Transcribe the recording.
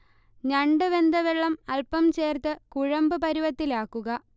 ഞണ്ട് വെന്ത വെള്ളം അൽപം ചേർത്ത് കുഴമ്പ് പരുവത്തിലാക്കുക